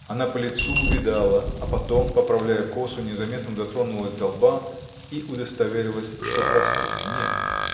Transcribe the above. Она по лицу увидала, а потом, поправляя косу, незаметно дотронулась до лба и удостоверилась, что простуды нет.